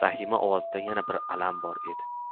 rahimaning ovozida na alam bor edi